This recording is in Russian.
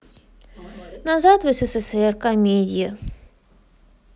назад в ссср комедия